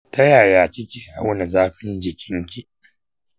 ta yaya kike auna zafin jikinki?